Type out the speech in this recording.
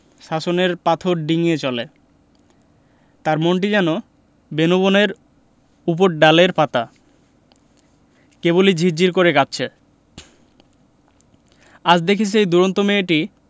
শাসনের পাথর ডিঙ্গিয়ে চলে তার মনটি যেন বেনূবনের উপরডালের পাতা কেবলি ঝির ঝির করে কাঁপছে আজ দেখি সেই দূরন্ত মেয়েটি